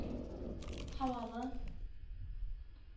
Һавалы